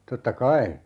totta kai